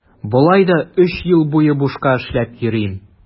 Болай да өч ел буе бушка эшләп йөрим.